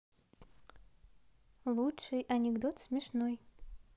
лучший анекдот смешной